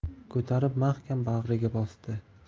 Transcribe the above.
ko'tarib mahkam bag'riga bosdi